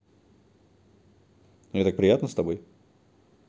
мне так приятна тобой